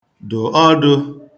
dụ̀ ọdụ̄